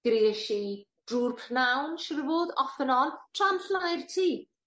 i drw'r pnawn siŵr o fod off an' on tra'n llnau'r tŷ